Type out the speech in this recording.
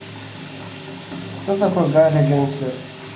кто такой гарри гэнслер